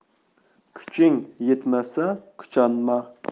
kuching yetmasa kuchanma